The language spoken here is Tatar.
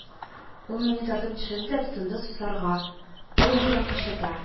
Ул мине тартып төшерде дә тотынды сосарга, кай җирең кычыта